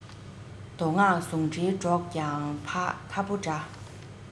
མདོ སྔགས ཟུང འབྲེལ སྒྲོག ཀྱང ཁ ཕོ འདྲ